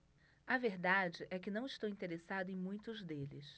a verdade é que não estou interessado em muitos deles